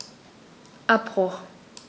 Abbruch.